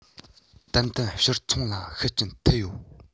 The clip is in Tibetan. ཏན ཏན ཕྱིར ཚོང ལ ཤུགས རྐྱེན ཐེབས ཡོད